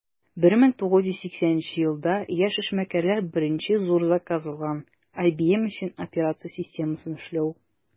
1980 елда яшь эшмәкәрләр беренче зур заказ алган - ibm өчен операция системасын эшләү.